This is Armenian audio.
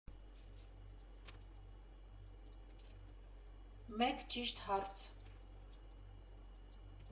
Մեկ ճիշտ հարց։